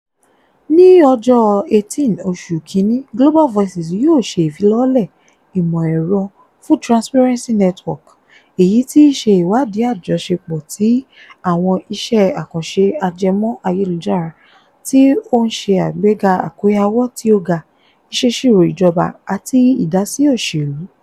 Ní ọjọ́ 18 oṣù Kínní Global Voices yóò ṣe ìfilọ́lẹ̀ ìmọ̀ ẹ̀rọ fún Transparency Network, èyí tí í ṣe ìwádìí àjọṣepọ̀ ti àwọn iṣẹ́ àkànṣe ajẹmọ́ ayélujára tí ó ń ṣe àgbéga àkóyawọ́ tí ó ga, ìṣèsirò ìjọba, àti ìdásí òṣèlú.